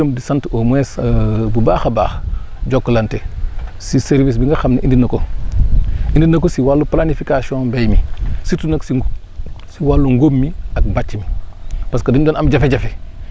ñuy gërëm di sant au moins bu baax a baax Jokalante si service bi nga xam ne indi na ko indi na ko si wàllu planification mbéy mi surtout nag si si wàllu ngóob mi ak bàcc mi parce dañ doon am jafe-jafe